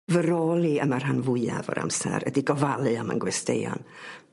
Fy rôl i am y rhan fwyaf o'r amser ydi gofalu am 'yn gwesteion.